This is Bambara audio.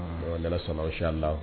Mɔgɔ dala sanusi la